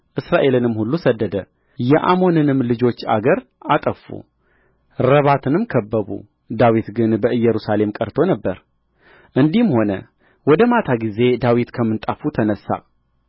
እስራኤልንም ሁሉ ሰደደ የአሞንም ልጆች አገር አጠፉ ረባትንም ከበቡ ዳዊት ግን በኢየሩሳሌም ቀርቶ ነበር እንዲህም ሆነ ወደ ማታ ጊዜ ዳዊት ከምንጣፉ ተነሣ